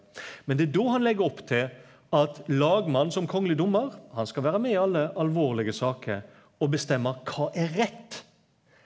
men det er då han legg opp til at lagmannen som kongeleg dommar, han skal vere med i alle alvorlege sakar og bestemma kva er rett.